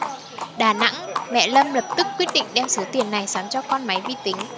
đà nẵng mẹ lâm lập tức quyết định đem số tiền này sắm cho con máy vi tính